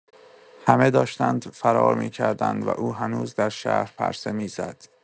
همه داشتند فرار می‌کردند و او هنوز در شهر پرسه می‌زد.